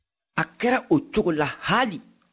a kɛra o cogo la haali